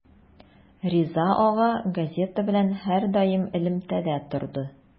Риза ага газета белән һәрдаим элемтәдә торды.